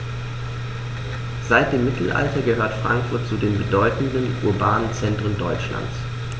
Seit dem Mittelalter gehört Frankfurt zu den bedeutenden urbanen Zentren Deutschlands.